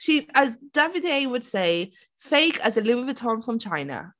She... as Davide would say "fake as a Louis Vuitton from China".